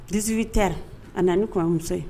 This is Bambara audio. Sibi tɛ a nana ni kɔmuso ye